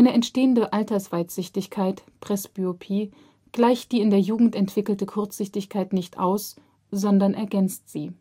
entstehende Altersweitsichtigkeit (Presbyopie) gleicht die in der Jugend entwickelte Kurzsichtigkeit nicht aus, sondern ergänzt sie